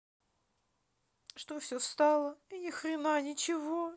что все встало и нихрена ничего